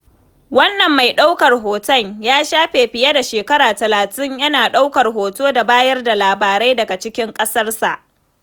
Wannan mai ɗaukar hoton ya shafe fiye da shekara 30 yana ɗaukar hoto da bayar da labarai daga cikin ƙasarsa.